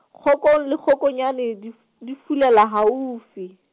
kgokong le kgokonyane di f-, di fulela haufi.